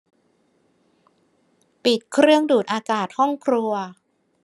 ปิดเครื่องดูดอากาศห้องครัว